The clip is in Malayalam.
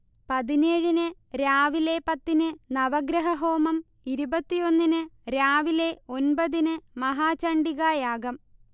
പതിനേഴിന് രാവിലെ പത്തിന് നവഗ്രഹഹോമം, ഇരുപത്തിയൊന്നിന് രാവിലെ ഒൻപതിന് മഹാചണ്ഡികായാഗം